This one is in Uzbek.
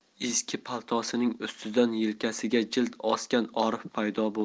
eski paltosining ustidan yelkasiga jild osgan orif paydo bo'ldi